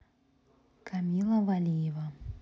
камила валиева